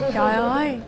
trời ơi